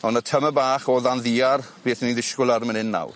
On' y tyme' bach o ddan ddiar beth 'yn ni'n ddishgwl ar myn' 'yn nawr.